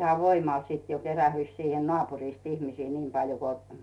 ihan voimalla sitten jo kerääntyi siihen naapurista ihmisiä niin paljon kun